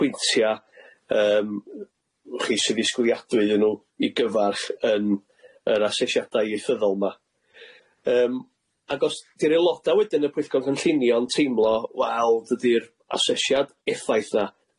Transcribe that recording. pwyntia yym yy w'chi sydd i sgwyddiadwy iddyn n'w i gyfarch yn yr asesiadau ieithyddol yym ag os di'r aeloda wedyn y pwyllgor cynllunio'n teimlo wel dydi'r asesiad effaith na